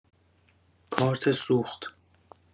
کارت سوخت